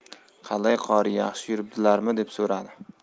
qalay qori yaxshi yuribdilarmi deb so'radi